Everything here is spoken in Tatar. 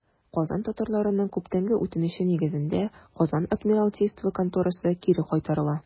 Казан татарларының күптәнге үтенече нигезендә, Казан адмиралтейство конторасы кире кайтарыла.